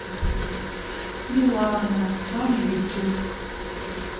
милана с вами ютуб